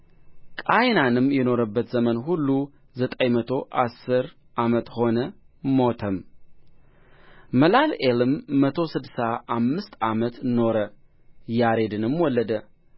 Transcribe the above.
ቃይናንም የኖረበት ዘመን ሁሉ ዘጠኝ መቶ አሥር ዓመት ሆነ ሞተም መላልኤልም መቶ ስድሳ አምስት ዓመት ኖረ ያሬድንም ወለደ